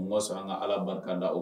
Mun ko sɔn an ka Ala barika da o